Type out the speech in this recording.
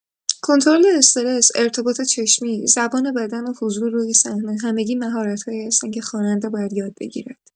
کنترل استرس، ارتباط چشمی، زبان بدن و حضور روی صحنه، همگی مهارت‌هایی هستند که خواننده باید یاد بگیرد.